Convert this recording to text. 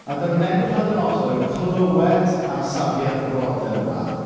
A dyma Nebiwchodynosor yn clywed am safiad y brodyr yma.